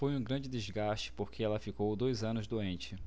foi um grande desgaste porque ela ficou dois anos doente